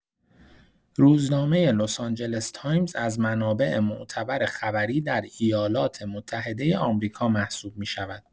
روزنامه لس‌آنجلس تایمز از منابع معتبر خبری در ایالات‌متحده آمریکا محسوب می‌شود.